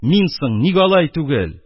Мин соң ник алай түгел?